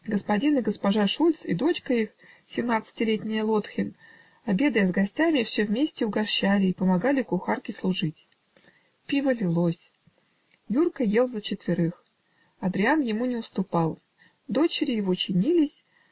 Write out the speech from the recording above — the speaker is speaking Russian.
Господин и госпожа Шульц и дочка их, семнадцатилетняя Лотхен, обедая с гостями, все вместе угощали и помогали кухарке служить. Пиво лилось. Юрко ел за четверых Адриян ему не уступал дочери его чинились